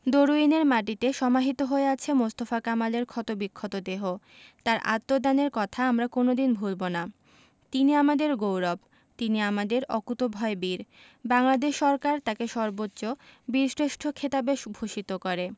দরুইনের মাটিতে সমাহিত হয়ে আছে মোস্তফা কামালের ক্ষতবিক্ষত দেহ তাঁর আত্মদানের কথা আমরা কোনো দিন ভুলব না তিনি আমাদের গৌরব তিনি আমাদের অকুতোভয় বীর বাংলাদেশ সরকার তাঁকে সর্বোচ্চ বীরশ্রেষ্ঠ খেতাবে ভূষিত করে